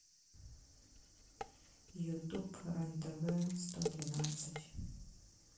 ютуб рен тв сто двенадцать